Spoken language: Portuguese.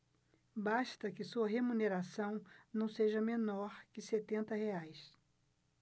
basta que sua remuneração não seja menor que setenta reais